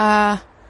A,